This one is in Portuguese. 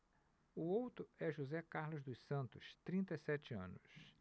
o outro é josé carlos dos santos trinta e sete anos